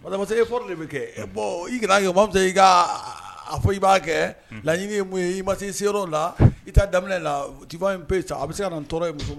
Ba masakɛ effort de bi kɛ . bon i ka na kɛ ka fisa ka fɔ i ba kɛ laɲini ye mun ye i ma se i seyɔrɔla to i daminɛ la tu vois un peu a bɛ se ka tɔɔrɔ in muso